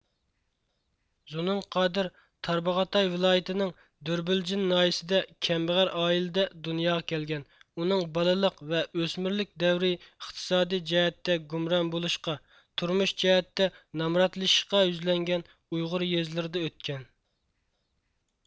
زۇنۇن قادىر تارباغاتاي ۋىلايىتىنىڭ دۆربىلجىن ناھىيىسىدە كەمبەغەل ئائىلىدە دۇنياغا كەلگەن ئۇنىڭ بالىلىق ۋە ئۆسمۈرلۈك دەۋرى ئىقتىسادىي جەھەتتە گۇمران بولۇشقا تۇرمۇش جەھەتتە نامراتلىشىشقا يۈزلەنگەن ئۇيغۇر يېزىلىرىدا ئۆتكەن